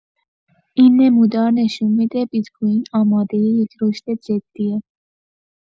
این نمودار نشون می‌ده بیت‌کوین آمادۀ یه رشد جدیه.